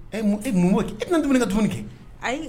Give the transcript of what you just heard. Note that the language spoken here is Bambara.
E mun b' e tɛna dumuni ka tun kɛ ayi